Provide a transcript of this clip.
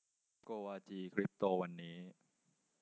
โกวาจีคริปโตวันนี้